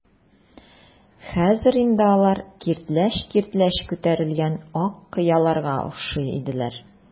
Хәзер инде алар киртләч-киртләч күтәрелгән ак кыяларга охшый иделәр.